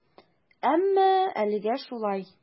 Әмма әлегә шулай.